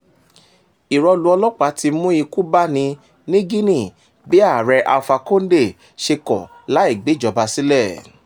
Ìrọ́lù ọlọ́pàá tí í mú ikú bá ni ní Guinea bí Ààrẹ Alpha Condé ṣe kọ̀ láì gbé' jọba sílẹ̀